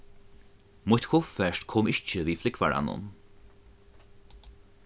mítt kuffert kom ikki við flúgvaranum